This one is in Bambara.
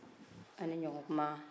aw ni ɲɔgɔn kuma